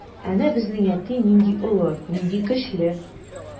Әнә безнең әти нинди олы, нинди көчле.